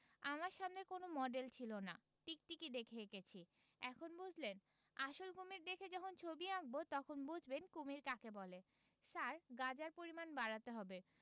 আমার সামনে কোন মডেল ছিল না টিকটিকি দেখে এঁকেছি এখন বুঝলেন আসল কুমীর দেখে যখন ছবি আঁকব তখন বুঝবেন কুমীর কাকে বলে স্যার গাঁজার পরিমাণ বাড়াতে হবে